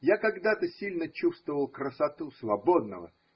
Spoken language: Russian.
Я когда-то сильно чувствовал красоту свободного.